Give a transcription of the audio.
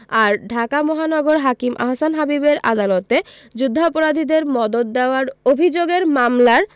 আর ঢাকা মহানগর হাকিম আহসান হাবীবের আদালতে যুদ্ধাপরাধীদের মদদ দেওয়ার অভিযোগের মামলার